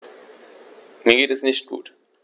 Mir geht es nicht gut.